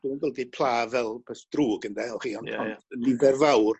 dwi'm golygu pla fel rwbeth drwg ynde welch chi on'... Ia ia. ...ond nifer fawr